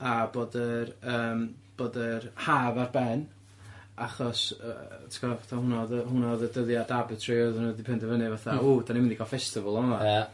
A bod yr yym bod yr Haf ar ben achos yy ti'go' fatha hwnna o'dd yy hwnna o'dd y dyddiad arbitrary oedden nw 'di penderfynu fatha w 'dan ni mynd i gal festival yma. Ia.